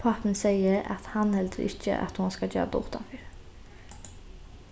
pápin segði at hann heldur ikki at hon skal gera tað uttanfyri